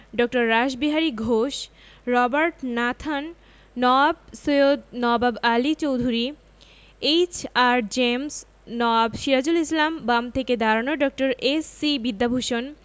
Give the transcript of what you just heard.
ড. Rashbehari Ghosh Robert Nathan Nawab Syed Nawab Ali Chowdhury H R. James Nawab Sirajul Islam বাম থেকে দাঁড়ানো ড. এস.সি. বিদ্যাভূষণ